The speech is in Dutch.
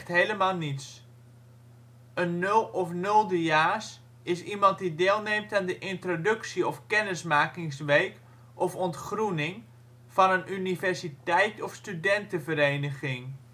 helemaal niets. Een nul of nuldejaars is iemand die deelneemt aan de introductie - of kennismakingsweek of ontgroening van een universiteit of studentenvereniging